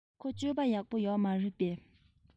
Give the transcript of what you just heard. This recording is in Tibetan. ཁོའི སྤྱོད པ ཡག པོ ཡོད མ རེད པས